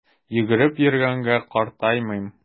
Йөгереп йөргәнгә картаймыйм!